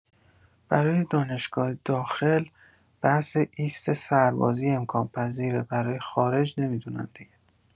برای دانشگاه داخل بحث ایست سربازی امکان پذیره برای خارج نمی‌دونم دیگه